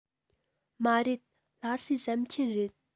མ རེད ལྷ སའི ཟམ ཆེན རེད